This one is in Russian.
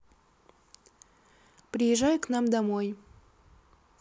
приезжай к нам домой